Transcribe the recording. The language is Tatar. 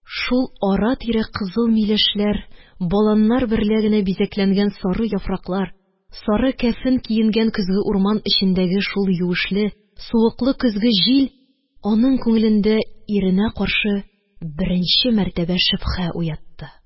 Шул ара-тирә кызыл миләшләр, баланнар берлә генә бизәкләнгән сары яфраклар, сары кәфен киенгән көзге урман эчендәге шул юешле, суыклы көзге җил аның күңелендә иренә каршы беренче мәртәбә шөбһә уятты